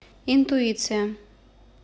интуиция